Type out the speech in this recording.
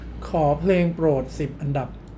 ขอเพลงโปรดสิบอันดับ